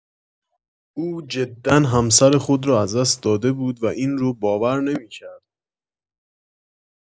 او جدا همسر خود را از دست داده بود و این رو باور نمی‌کرد